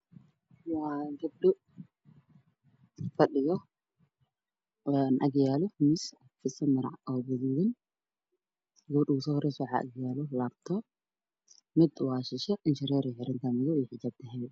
Waa gabdho fadhiyo ag yaallo miis ku fidsan maro gaduudan gabadha ugu soo horeyso waxaa ag yaalo laptop mid waa shishe indha shareer ay xirantahay madow iyo xijaab